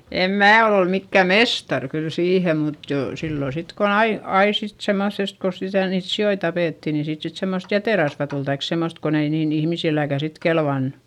en minä ole ole mikään mestari kyllä siihen mutta jo silloin sitten kun aina aina sitten semmoisesta kun sitä niitä sikoja tapettiin niin siitä sitten semmoista jäterasvaa tuli tai semmoista kun ei niin ihmisilläkään sitten kelvannut